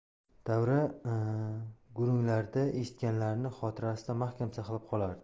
davra gurunglarda eshitganlarini xotirasida mahkam saqlab qolardi